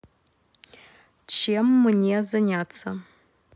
чем мне заняться